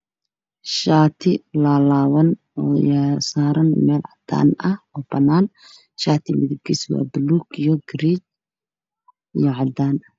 Waa shaati laalaaban oo saaran meel cadaan ah oo banaan, shaatiga midabkiisu waa buluug, garee iyo cadaan.